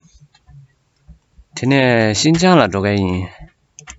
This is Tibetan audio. ཤིན ཅང ལ འགྲོ མཁན ཡིན